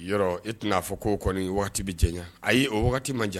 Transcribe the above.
Yɔrɔ e tɛna n'a fɔ ko kɔni waati bɛ jɛ ayi o waati man jan